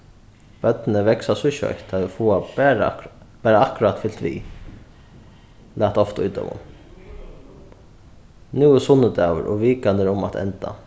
børnini vaksa so skjótt tey fáa bara bara akkurát fylgt við læt ofta í teimum nú er sunnudagur og vikan er um at enda